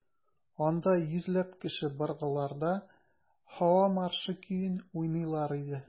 Анда йөзләп кеше быргыларда «Һава маршы» көен уйныйлар иде.